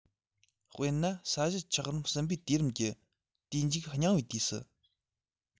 དཔེར ན ས གཞི ཆགས རིམ གསུམ པའི དུས རིམ གྱི དུས མཇུག རྙིང བའི དུས སུ